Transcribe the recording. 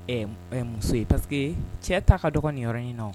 Ɛɛ, ɛɛ muso ye parce que cɛ ka ka dɔgɔ nin yɔrɔnin na o